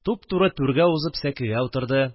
Туп-туры түргә узып сәкегә утырды